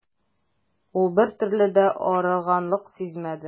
Ул бертөрле дә арыганлык сизмәде.